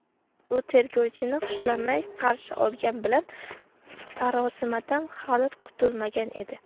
u tergovchini xushlamay qarshi olgani bilan sarosimadan hali qutulmagan edi